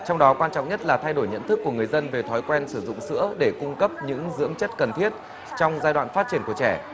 trong đó quan trọng nhất là thay đổi nhận thức của người dân về thói quen sử dụng sữa để cung cấp những dưỡng chất cần thiết trong giai đoạn phát triển của trẻ